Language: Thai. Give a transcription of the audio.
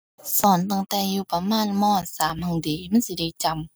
สอนตั้งแต่อยู่ประมาณ ม. สาม หั้นเดะ มันสิได้จำ